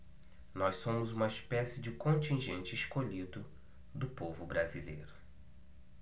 nós somos uma espécie de contingente escolhido do povo brasileiro